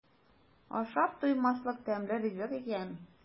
Ашап туймаслык тәмле ризык икән.